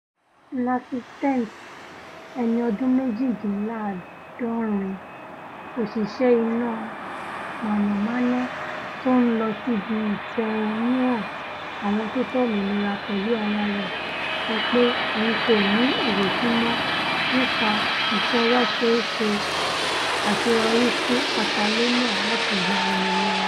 Narcis Termes, ẹni ọdún méjìdíńlá́àádọ́rin, òṣìṣẹ́ iná mànàmáná tó ńlọ síbí ìfẹ̀hónúhàn àwọn tó fẹ òmìnira pẹ̀lú aya rẹ̀ sọ pé òun kòní ìrètí mọ́ nípa ìṣọwọ́ṣeéṣe àṣeyọrí fún Catalonia láti gba òmìnira.